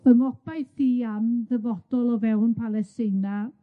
Fy ngobaith i am ddyfodol o fewn Palesteina,